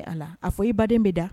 A foyi i baden bɛ da